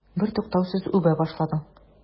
Бертуктаусыз үбә башладың.